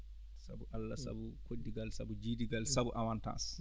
sabu Allah sabu koddigal sabu jiidigal sabu avantage